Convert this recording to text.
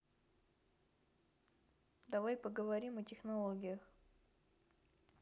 давай поговорим о технологиях